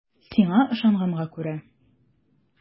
Сиңа ышанганга күрә.